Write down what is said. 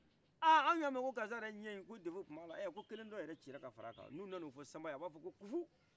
a anw ɲamɛn ko karisa yɛrɛ ɲɛ in ko defo tun bala ɛ ko kelen dɔ yɛrɛ cira ka faraka n' una o fɔ sanba ye a b'a fɔ kuhu